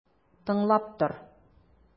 Тыңлап тор!